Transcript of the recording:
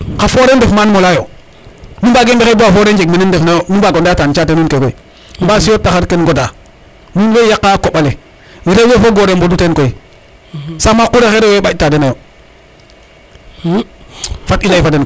xa fret ndef man mola yo nu mbage mbexey bo xa foret jeg men ndefa na yo nu mbago ndeyata caate nuun ke koy mbaas yo taxar kene ŋoda nuun wey yaqa koɓale rewe fo goor we mbodu ten koy sam xa quraxe rewe baƴta denoyo fat i ley fa den koy